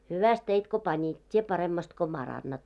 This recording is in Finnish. hyvästi teit kun panit tee paremmasti kun parannat